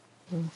Hmm.